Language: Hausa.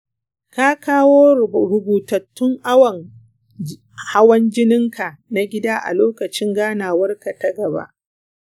ka kawo rubutattun awun hawan jininka na gida a lokacin ganawarka ta gaba.